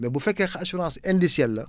mais bu fekkee assurance indicelle la